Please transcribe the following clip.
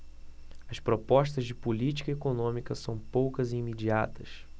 as propostas de política econômica são poucas e imediatas